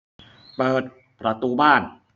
เปิดประตูบ้าน